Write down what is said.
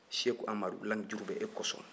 seku amadu lamijurubɛ e kosɔn